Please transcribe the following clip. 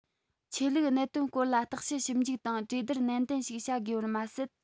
ཆོས ལུགས གནད དོན སྐོར ལ བརྟག དཔྱད ཞིབ འཇུག དང གྲོས སྡུར ནན ཏན ཞིག བྱ དགོས པར མ ཟད